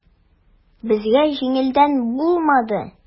Безгә җиңелдән булмады.